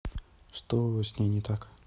что с ней не так